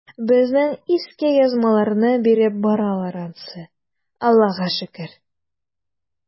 Безнең иске язмаларны биреп баралар ансы, Аллага шөкер.